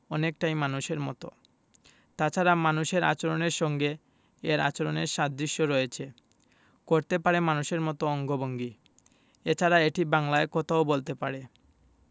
অনেকটাই মানুষের মতো তাছাড়া মানুষের আচরণের সঙ্গে এর আচরণের সাদৃশ্য রয়েছে করতে পারে মানুষের মতো অঙ্গভঙ্গি এছাড়া এটি বাংলায় কথাও বলতে পারে